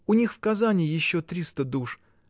У них в Казани еще триста душ.